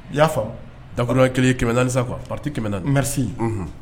I y'a faamu, dakurujɛ kelen kɛmɛ naani sa quoi parti kɛmɛ naani, merci